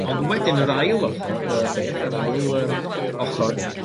Ond wedyn yr ail orchor yy beth yr ail yym ochor